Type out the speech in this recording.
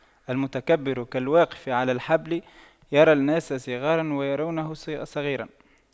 المتكبر كالواقف على الجبل يرى الناس صغاراً ويرونه صغيراً